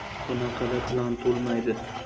bunaqada plan to'lmaydi